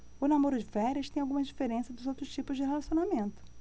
o namoro de férias tem algumas diferenças dos outros tipos de relacionamento